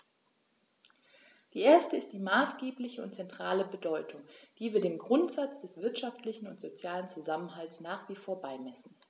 Der erste ist die maßgebliche und zentrale Bedeutung, die wir dem Grundsatz des wirtschaftlichen und sozialen Zusammenhalts nach wie vor beimessen.